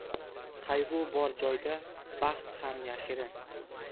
qayg'u bor joyda baxt ham yashirin